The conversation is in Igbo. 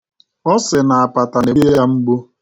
Ọ sị na apata na-egbu ya mgbu.